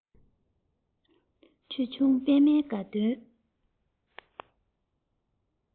ཆོས འབྱུང པད མའི དགའ སྟོན